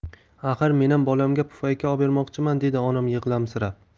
axir menam bolamga pufayka obermoqchiman dedi onam yig'lamsirab